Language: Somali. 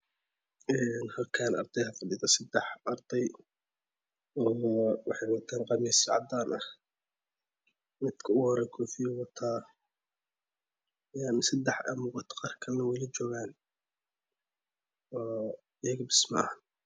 Halkaan ardey aya fadhido sadex arday waxay wataan qamiisyo cadaan ah midka ogu horee koofi uu wataa een sadex aa muuqata qaarka kalena way joogan ayaga bas ma ahan